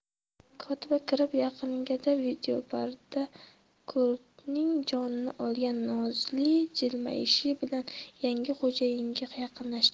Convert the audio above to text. kotiba kirib yaqinginada videobarda ko'pning jonini olgan nozli jilmayishi bilan yangi xo'jayiniga yaqinlashdi